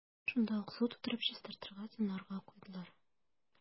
Шунда ук су тутырып, чистарырга – тонарга куйдылар.